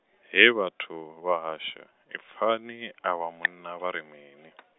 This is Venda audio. hee vhathu, vha hashu, i pfani a vha munna vha ri mini .